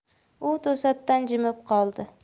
u to'satdan jimib qoldi